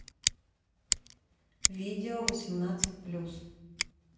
видео восемнадцать плюс